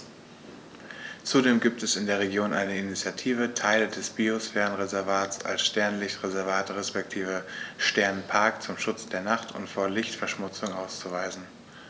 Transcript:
Zudem gibt es in der Region eine Initiative, Teile des Biosphärenreservats als Sternenlicht-Reservat respektive Sternenpark zum Schutz der Nacht und vor Lichtverschmutzung auszuweisen.